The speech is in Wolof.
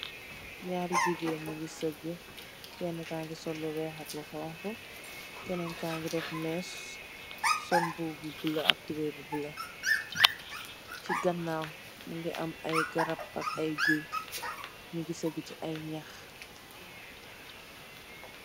Nyari njegen nyu gi sagug kenaki gi sol lo wheh ak lo khonkho kenen ka gi def mess sol mbuba bu blauh ak tobai bu blauh si ganaw mugi am ai grapp ak ai gui nyu gi sagug si ai nyahk.